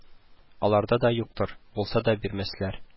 Аларда да юктыр, булса да бирмәсләр